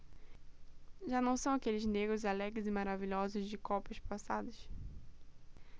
já não são aqueles negros alegres e maravilhosos de copas passadas